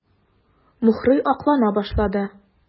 Мухрый аклана башлады.